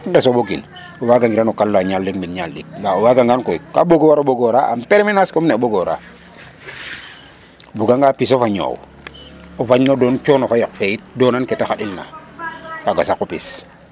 saq nqes o ɓogin o waagangiran o kalna ñaal leŋ mbit ñaat ɗik. Ndaa o waagangan koy ka war o ɓogooxaa en permenance comme ne o ɓogooraa .Bugangaa pisof a ñoow o fañin o doon coono fa yoq fe yit donan ke ta xatilna kaaga saqu pis .